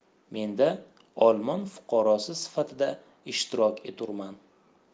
menda olmon fuqarosi sifatida ishtirok eturman